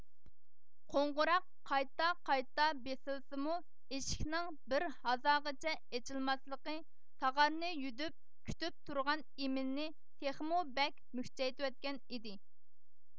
قوڭغۇراق قايتا قايتا بېسىلسىمۇ ئىشىكنىڭ بىر ھازاغىچە ئېچىلماسلىقى تاغارنى يۈدۈپ كۈتۈپ تۇرغان ئىمىننى تېخىمۇ بەك مۈكچەيتىۋەتكەن ئىدى